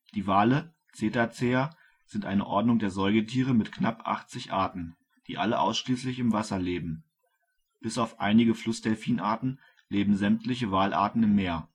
Die Wale (Cetacea) sind eine Ordnung der Säugetiere mit knapp 80 Arten, die alle ausschließlich im Wasser leben. Bis auf einige Flussdelfinarten leben sämtliche Walarten im Meer